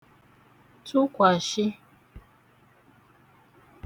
tụkwàshị